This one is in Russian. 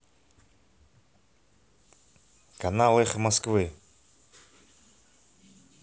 канал эхо москвы